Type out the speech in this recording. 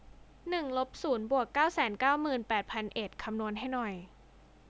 หนึ่งลบศูนย์บวกเก้าแสนเก้าหมื่นแปดพันเอ็ดคำนวณให้หน่อย